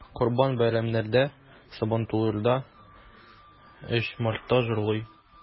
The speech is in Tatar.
Корбан бәйрәмнәрендә, Сабантуйларда, 8 Мартта җырлый.